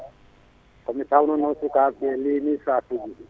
ko dawnunoɓe sukaɓeɓe leli sakuji ɗi